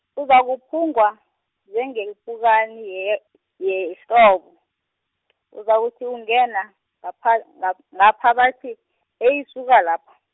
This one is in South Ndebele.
uzakuphungwa, njengepukani ye- yehlobo, uzakuthi ungena, ngaph- ng- ngapha bathi, heyi suka lapha.